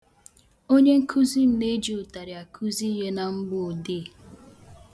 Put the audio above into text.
Onye nkuzi m na- eji ụtarị akụzi ihe na mgbọdee